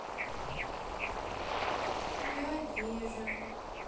я вижен